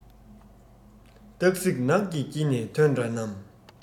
སྟག གཟིག ནགས ཀྱི དཀྱིལ ནས ཐོན འདྲ རྣམས